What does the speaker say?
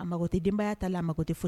A ma tɛ denbaya ta la a ma tɛ